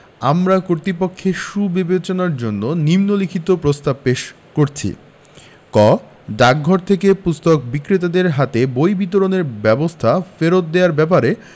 আমরা কর্তৃপক্ষের সুবিবেচনার জন্য নিন্ম লিখিত প্রস্তাব পেশ করছি ক ডাকঘর থেকে পুস্তক বিক্রেতাদের হাতে বই বিতরণ ব্যবস্থা ফেরত দেওয়ার ব্যাপারে